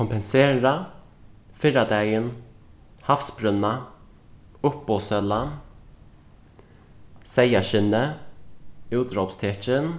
kompensera fyrradagin havsbrúnna uppboðssøla seyðaskinni útrópstekin